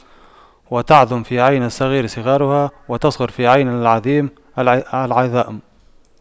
وتعظم في عين الصغير صغارها وتصغر في عين العظيم العظائم